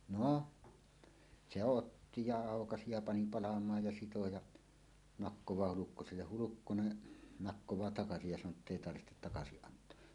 no se otti ja aukaisi ja pani palamaan ja sitoi ja nakkaa Hulkkoselle Hulkkonen nakkaa takaisin ja sanoo että ei tarvitse takaisin antaa